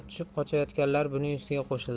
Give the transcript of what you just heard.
tushib qochayotganlar buning ustiga qo'shildi